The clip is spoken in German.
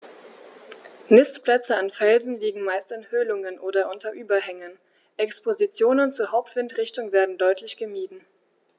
Nistplätze an Felsen liegen meist in Höhlungen oder unter Überhängen, Expositionen zur Hauptwindrichtung werden deutlich gemieden.